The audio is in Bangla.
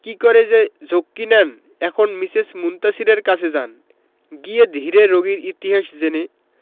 কি করে যে ঝক্কি নেন এখন মিসেস মুনতাসীরের কাছে যান গিয়ে ধীরে রোগীর ইতিহাস জেনে